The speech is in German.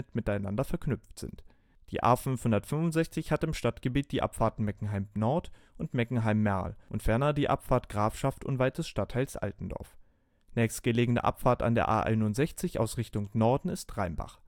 miteinander verknüpft sind. Die A 565 hat im Stadtgebiet die Abfahrten Meckenheim Nord und Meckenheim-Merl und ferner die Abfahrt Grafschaft unweit des Stadtteils Altendorf. Nächstgelegene Abfahrt an der A 61 aus Richtung Norden ist Rheinbach